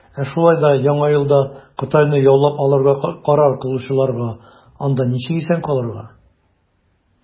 Ә шулай да Яңа елда Кытайны яулап алырга карар кылучыларга, - анда ничек исән калырга.